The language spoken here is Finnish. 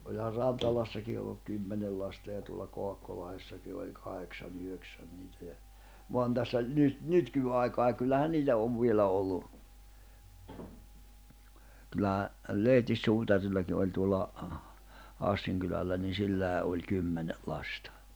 onhan Rantalassakin ollut kymmenen lasta ja tuolla Kaakkolahdessakin oli kahdeksan yhdeksän niitä ja vaan tässä nyt - nykyaikaan ja kyllähän niitä on vielä ollut kyllähän Lehtis-suutarillakin oli tuolla Hassin kylällä niin sillä oli kymmenen lasta